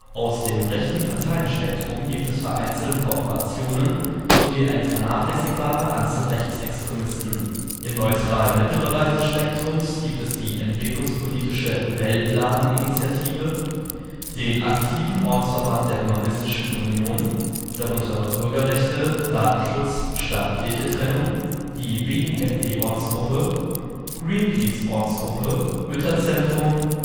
Aus dem rechten Parteienspektrum gibt es vereinzelt Corporationen sowie eine vernachlässigbare Anzahl Rechtsextremisten. Im neutralen Mittelbereich des Spektrums gibt es die entwicklungspolitische Weltladen-Initiative, den aktiven Ortsverband der Humanistischen Union (Bürgerrechte, Datenschutz, Staat-Kirche-Trennung), BUND-Ortsgruppe, Greenpeace-Ortsgruppe, Mütterzentrum, Väteraufbruch